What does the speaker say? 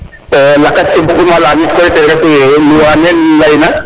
lakas ke bug uma lamit ten refuye loi nen leyna